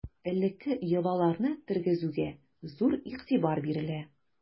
Элекке йолаларны тергезүгә зур игътибар бирелә.